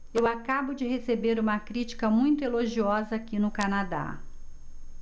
eu acabo de receber uma crítica muito elogiosa aqui no canadá